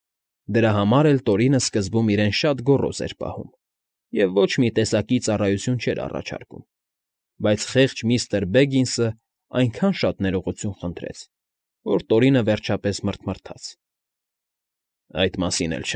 Դրա համար էլ Տորինը սկզբում իրեն շատ գոռոզ էր պահում և ոչ մի տեսակի ծառայություն չէր առաջարկում, բայց խեղճ միստր Բեգինսն այնքան շատ ներողություն խնդրեց, որ Տորինը, վերջապես, մռթմռթաց. «Այդ մասին էլ։